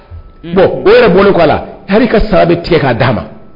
Bon o yɛrɛ bɔlen kɔ a la . Hali i ka sara bɛ tigɛ ka da ma